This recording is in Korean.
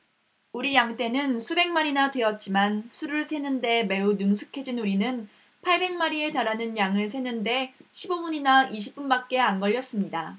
우리 양 떼는 수백 마리나 되었지만 수를 세는 데 매우 능숙해진 우리는 팔백 마리에 달하는 양을 세는 데 십 오 분이나 이십 분밖에 안 걸렸습니다